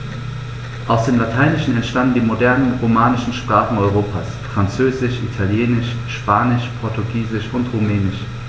Aus dem Lateinischen entstanden die modernen „romanischen“ Sprachen Europas: Französisch, Italienisch, Spanisch, Portugiesisch und Rumänisch.